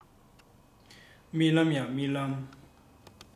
རྨི ལམ ཡ རྨི ལམ